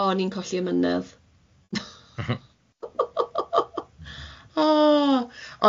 O, o'n i'n colli ymynedd